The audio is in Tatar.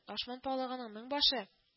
Лашман палыгының мең башы